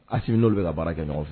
Asimi n'olu bɛ ka baara kɛ ɲɔgɔn fɛ